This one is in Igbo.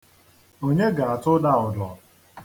Onye ga-atụda ụdọ?